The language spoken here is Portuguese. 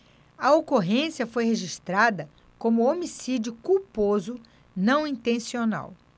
a ocorrência foi registrada como homicídio culposo não intencional